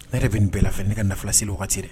Ne yɛrɛ bɛ nin bɛɛ la fɛ ne ka na nafolosi la o waati dɛ